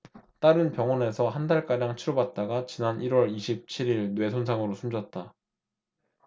딸은 병원에서 한 달가량 치료받다가 지난 일 월 이십 칠 일 뇌 손상으로 숨졌다